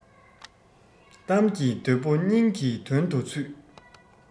གཏམ གྱི བདུད པོ སྙིང གི དོན དུ ཚུད